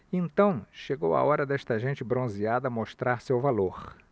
então chegou a hora desta gente bronzeada mostrar seu valor